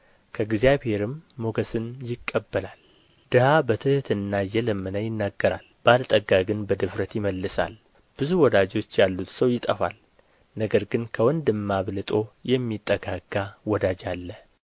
ከእግዚአብሔርም ሞገስን ይቀበላል ድሀ በትሕትና እየለመነ ይናገራል ባለጠጋ ግን በድፍረት ይመልሳል ብዙ ወዳጆች ያሉት ሰው ይጠፋል ነገር ግን ከወንድም አብልጦ የሚጠጋጋ ወዳጅ አለ